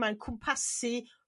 'ma'n cwmpasu